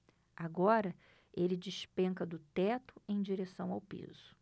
agora ele despenca do teto em direção ao piso